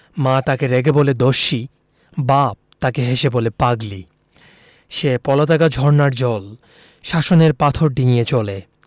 মা তাকে রেগে বলে দস্যি বাপ তাকে হেসে বলে পাগলি সে পলাতকা ঝরনার জল শাসনের পাথর ডিঙ্গিয়ে চলে